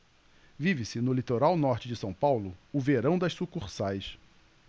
vive-se no litoral norte de são paulo o verão das sucursais